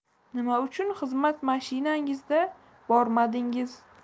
nima uchun xizmat mashinangizda bormadingiz